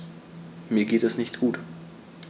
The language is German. Mir geht es nicht gut.